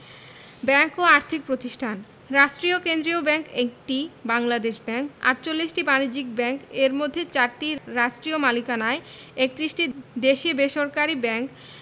bank ও আর্থিক প্রতিষ্ঠানঃ রাষ্ট্রীয় কেন্দ্রীয় ব্যাংক ১টি বাংলাদেশ ব্যাংক ৪৮টি বাণিজ্যিক ব্যাংক এর মধ্যে ৪টি রাষ্ট্রীয় মালিকানায় ৩১টি দেশী বেসরকারি ব্যাংক